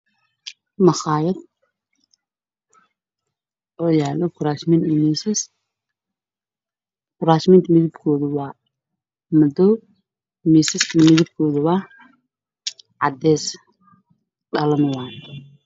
Waa maqaayad yaalo kuraas iyo miisas